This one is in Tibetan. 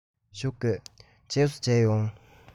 བཞུགས དགོས རྗེས སུ མཇལ ཡོང